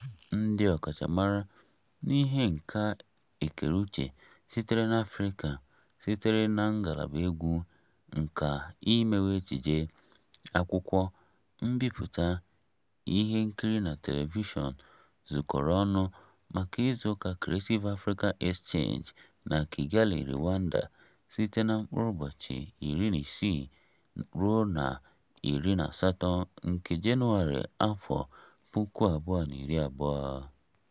Ndị ọkachamara n'ihe nka ekere uche sitere na Afrịka sitere na ngalaba egwu, nka, imewe, ejiji, akwụkwọ, mbipụta, ihe nkiri na telivishọn zukọrọ ọnụ maka izu ụka Creative Africa Exchange na Kigali, Rwanda, site na Jenụwarị 16 ruo 18, 2020.